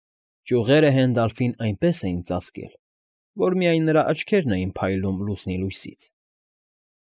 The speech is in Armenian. Ճյուղերը Հենդալֆին այնպես էին ծածկել, որ միայն նրա աչքերն էին փայլում լուսնի լույսից։